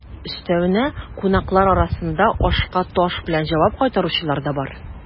Өстәвенә, кунаклар арасында ашка таш белән җавап кайтаручылар да бар.